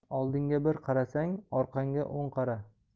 oldingga bir qarasang orqangga o'n qara